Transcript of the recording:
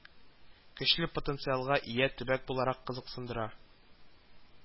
Көчле потенциалга ия төбәк буларак кызыксындыра